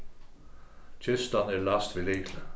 kistan er læst við lykli